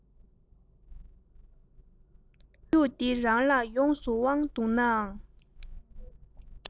ཁོར ཡུག འདི རང ལ ཡོངས སུ དབང འདུག ནའང